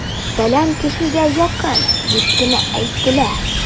"фәлән кешегә якын" дип кенә әйтелә!